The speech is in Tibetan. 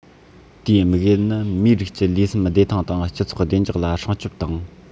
དེའི དམིགས ཡུལ ནི མིའི རིགས ཀྱི ལུས སེམས བདེ ཐང དང སྤྱི ཚོགས བདེ འཇགས ལ སྲུང སྐྱོབ དང